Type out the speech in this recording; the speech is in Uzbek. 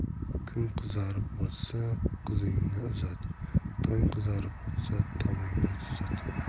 kun qizarib botsa qizingni uzat tong qizarib otsa tomingni tuzat